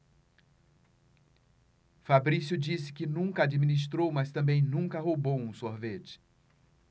fabrício disse que nunca administrou mas também nunca roubou um sorvete